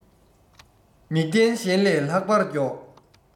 མིག ལྡན གཞན ལས ལྷག པར མགྱོགས